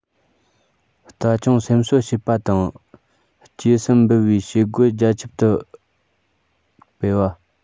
ལྟ སྐྱོང སེམས གསོ བྱེད པ དང གཅེས སེམས འབུལ བའི བྱེད སྒོ རྒྱ ཁྱབ ཏུ སྤེལ